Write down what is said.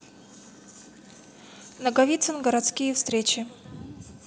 наговицын городские встречи